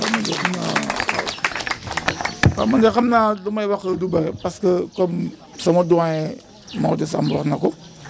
waaw man de xam naa waaw waaw man de xam naa lu may wax du du bëri parce que comme sama doyen Maodo Samb wax na ko